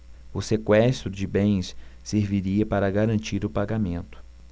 o sequestro de bens serviria para garantir o pagamento